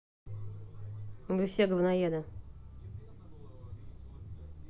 вы все говноеды